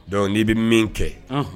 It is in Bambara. Donc n'i bɛ min kɛ unhun